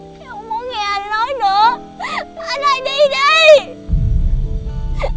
em không muốn nghe anh nói nữa anh hai đi